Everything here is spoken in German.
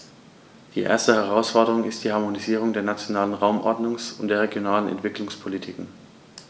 Die erste Herausforderung ist die Harmonisierung der nationalen Raumordnungs- und der regionalen Entwicklungspolitiken.